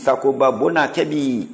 sagoba bo na kɛ bi